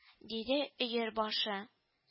— диде өер башы